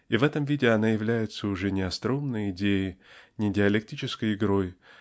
-- и в этом виде она является уже не остроумной идеей не диалектической игрой